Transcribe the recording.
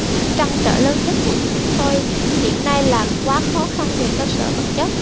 trăn trở lớn nhất của chúng tôi hiện nay là quá khó khăn về cơ sở vật chất